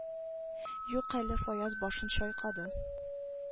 Юк әле фаяз башын чайкады